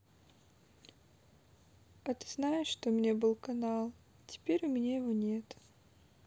а ты знаешь что у меня был канал теперь у меня его нету